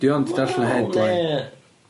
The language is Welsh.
Dwi ond di darllen y headline.